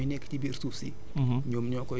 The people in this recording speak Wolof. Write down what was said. nag xam ni champignons yi nekk ci biir suuf si